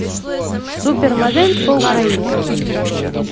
супер модель по украински